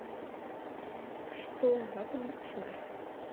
что отлично